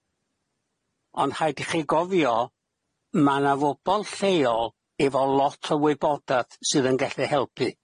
Ond 'haid i chi gofio, ma' 'na fobol lleol efo lot o wybodath sydd yn gallu helpu.